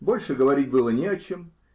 Больше говорить было не о чем.